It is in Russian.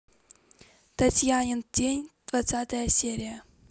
татьянин день двадцатая серия